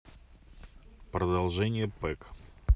продолжение пэк